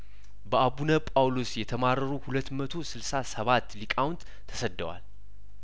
በአቡነ ጳውሎስ የተማረሩ ሁለት መቶ ስልሳ ሰባት ሊቃውንት ተሰደዋል